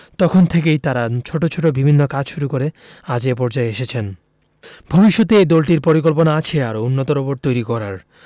তখন থেকেই তারা ছোট ছোট বিভিন্ন কাজ শুরু করে আজ এ পর্যায়ে এসেছেন ভবিষ্যতে এই দলটির পরিকল্পনা আছে আরও উন্নত রোবট তৈরি করার